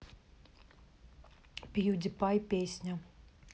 пьюдипай песня